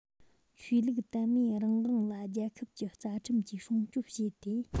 ཆོས ལུགས དད མོས རང དབང ལ རྒྱལ ཁབ ཀྱི རྩ ཁྲིམས ཀྱིས སྲུང སྐྱོབ བྱེད དེ